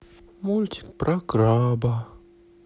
мультик про краба